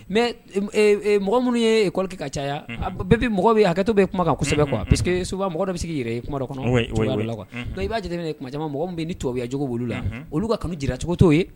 Mais mɔgɔ minnu ye école kɛ ka caya bɛɛ bɛ mɔgɔ a hakɛ to bɛ kuma kosɛbɛ quoi parce que souvent mɔgɔ dɔ bɛ s'i k'i yɛrɛ kuma dɔ kɔnɔ cogoya dɔ la donc i b'a jate minɛ tuma caman mɔgɔ min bɛ ye ni tubabuya jogo b'olu la olu ka kanu jira cogo to ye